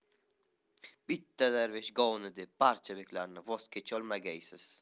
bitta darvesh govni deb barcha beklardan voz kecholmagaysiz